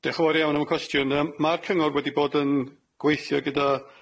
Dioch yn fawr iawn am y cwestiwn yym ma'r cyngor wedi bod yn gweithio gyda